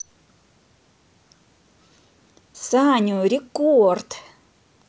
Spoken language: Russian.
саню рекорд